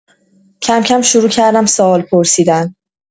کم‌کم شروع کردم سوال پرسیدن.